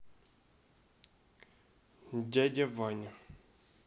дядя ваня